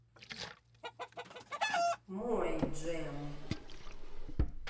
мой джем